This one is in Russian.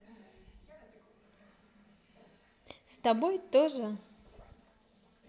с тобой тоже